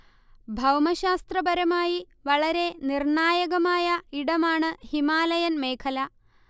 ഭൗമശാസ്ത്രപരമായി വളരെ നിർണായകമായ ഇടമാണ് ഹിമാലയൻ മേഖല